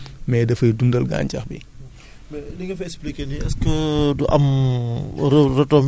mu yomb ci moom te day defar suuf bi en même temps mais dafay dundal gàncax bi